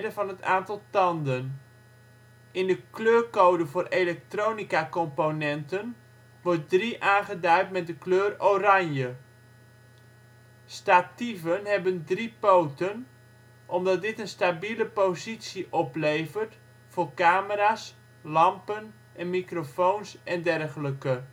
van het aantal tanden. In de kleurcode voor elektronicacomponenten wordt 3 aangeduid met de kleur oranje. Statieven hebben drie poten, omdat dit een stabiele positie oplevert voor camera 's, lampen en microfoons en dergelijke